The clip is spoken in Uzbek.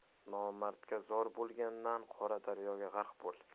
nomardga zor bo'lgandan qora daryoga g'arq bo'l